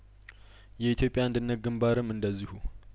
የኢትዮጵያ አንድነት ግንባርም እንደዚሁ